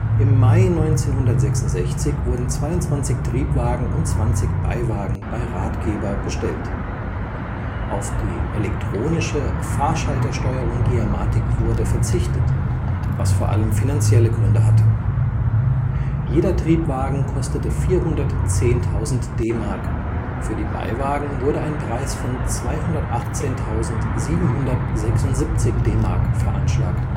Im Mai 1966 wurden 22 Triebwagen und 20 Beiwagen bei Rathgeber bestellt. Auf die elektronische Fahrschaltersteuerung Geamatic wurde verzichtet, was vor allem finanzielle Gründe hatte. Jeder Triebwagen kostete 410.000 D-Mark, für die Beiwagen wurde ein Preis von 218.776 D-Mark veranschlagt